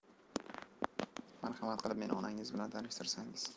marhamat qilib meni onangiz bilan tanishtirsangiz